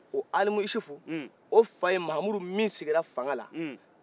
o alimusufu o fa mamudu min sigira fangan la